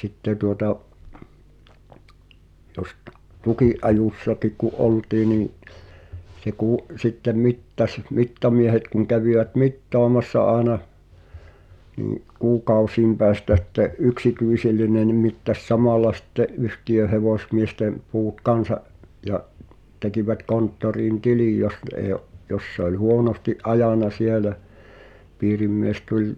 sitten tuota jos - tukinajossakin kun oltiin niin se kun sitten mittasi mittamiehet kun kävivät mittaamassa aina niin kuukausien päästä sitten yksityinen niin mittasi samalla sitten yhtiön hevosmiesten puut kanssa ja tekivät konttoriin tilin jos ne ei ole jos se oli huonosti ajanut siellä piirimies tuli